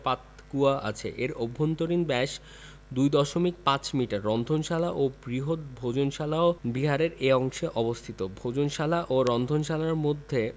পাতকূয়া আছে এর অভ্যন্তরীণ ব্যাস ২ দশমিক ৫ মিটার রন্ধনশালা ও বৃহৎ ভোজনশালাও বিহারের এ অংশে অবস্থিত ভোজনশালা ও রন্ধনশালার মধ্যে